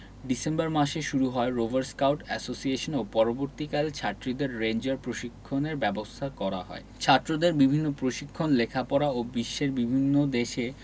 December মাসে শুরু হয় রোভার স্কাউট অ্যাসোসিয়েশন এবং পরবর্তীকালে ছাত্রীদের রেঞ্জার প্রশিক্ষণের ব্যবস্থা করা হয় ছাত্রদের বিভিন্ন প্রশিক্ষণ লেখাপড়া ও বিশ্বের বিভিন্ন দেশে